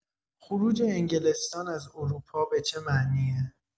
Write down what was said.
خروج انگلستان از اروپا به چه معنیه؟